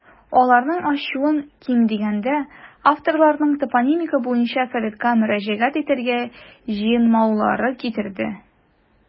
Аларның ачуын, ким дигәндә, авторларның топонимика буенча советка мөрәҗәгать итәргә җыенмаулары китерде.